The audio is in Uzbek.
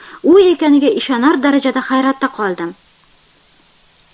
u ekaniga ishonar darajada hayratda qoldim